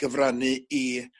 gyfrannu i